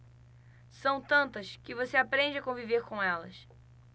são tantas que você aprende a conviver com elas